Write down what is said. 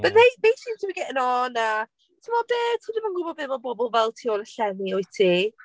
But they they seem to be getting on, a timod be? Ti ddim yn gwybod be ma' pobl fel tu ôl i'r llenni wyt ti?